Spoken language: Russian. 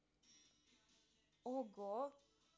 ого